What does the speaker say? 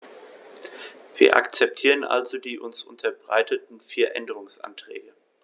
Wir akzeptieren also die uns unterbreiteten vier Änderungsanträge.